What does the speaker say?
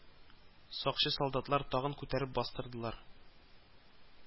Сакчы солдатлар тагын күтәреп бастырдылар